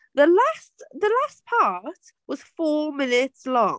The last the last part was four minutes long